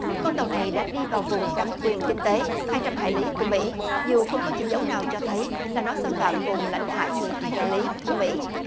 con tàu này đã đi vào vùng đặc quyền kinh tế hai trăm hải lý của mỷ dù không có chỉ dấu nào cho thấy là nó xâm phạm vùng lãnh hải mười hai hải lý của mỷ